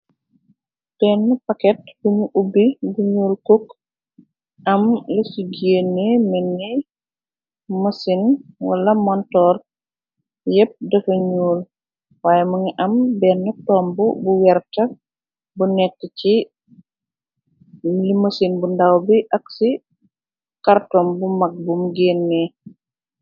Benn pakket bu ñu ubbi, bu ñuul kook, am lu si géenne melni mësin wala montoor. Yepp dëfa ñuul, waaye mu ngi am benn tomb bu werta bu nekk si mësin bu ndaw bi ak ci kartoñg bu mag bum gënnee.